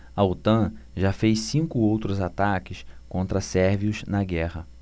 a otan já fez cinco outros ataques contra sérvios na guerra